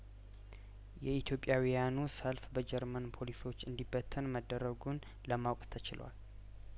የኢትዮጵያ ውያኑ ሰልፍ በጀርመን ፖሊሶች እንዲ በተን መደረጉን ለማወቅ ተችሏል